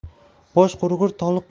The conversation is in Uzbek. bosh qurg'ur toliqqani